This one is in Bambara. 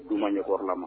Du ma ɲɛkɔrɔla ma